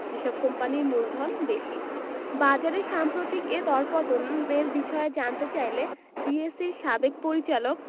যেসব কোম্পানির মূলধন বেশি বাজারের সাম্প্রতিক এ দরপতনের বিষয়ে জানতে চাইলে ডিএসইর সাবেক পরিচালক